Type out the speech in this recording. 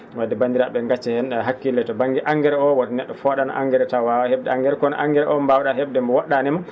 wadde ngaccan heen hakkille to ba?nge engrais o wata ne??o foo?ano engrais taw waawaa he?de engrais kono engrais o mbaaw?a he?de mbo wo??aanima